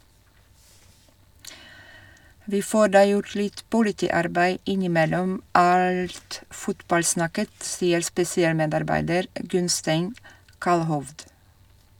- Vi får da gjort litt politiarbeid innimellom alt fotballsnakket, sier spesialmedarbeider Gunnstein Kallhovd.